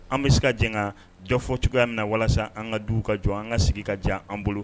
An bɛ se ka jɛn ka dɔ fɔ cogoya min na walasa an ka duw ka jɔ an ka sigi ka diya an bolo